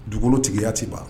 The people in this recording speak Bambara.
Dugukolo tigiya ti ban.